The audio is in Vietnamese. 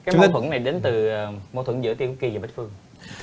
cái mâu thuẫn này đến từ ờ mâu thuẫn giữa tiên cúc ki và bích phương